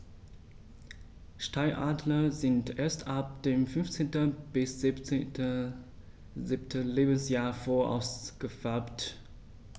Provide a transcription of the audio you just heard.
Steinadler sind erst ab dem 5. bis 7. Lebensjahr voll ausgefärbt.